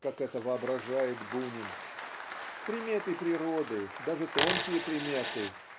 как это воображает Бунин. Приметы природы даже тонкие приметы